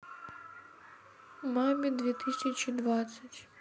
маме две тысячи двадцать